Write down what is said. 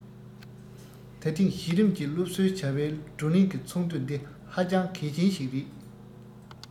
ད ཐེངས གཞི རིམ གྱི སློབ གསོའི བྱ བའི བགྲོ གླེང གི ཚོགས འདུ འདི ཧ ཅང གལ ཆེན ཞིག རེད